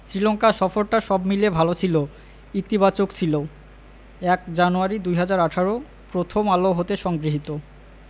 শ্রীলঙ্কা সফরটা সব মিলিয়ে ভালো ছিল ইতিবাচক ছিল ০১ জানুয়ারি ২০১৮ প্রথম আলো হতে সংগৃহীত